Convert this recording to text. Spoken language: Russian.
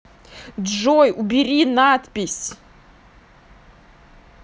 джой убери надпись